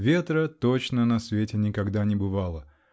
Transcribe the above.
Ветра -- точно на свете никогда не бывало .